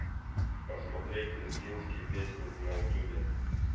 посмотреть лезгинские песни в ютубе